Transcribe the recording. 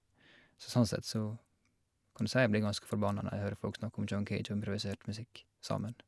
Så sånn sett så kan du si jeg blir ganske forbanna når jeg hører folk snakke om John Cage og improvisert musikk sammen.